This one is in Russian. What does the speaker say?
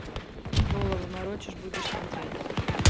голову морочишь будешь смотреть